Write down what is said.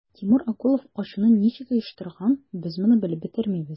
Тимур Акулов качуны ничек оештырган, без моны белеп бетермибез.